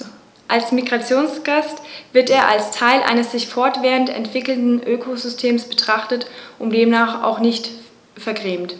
Als Migrationsgast wird er als Teil eines sich fortwährend entwickelnden Ökosystems betrachtet und demnach auch nicht vergrämt.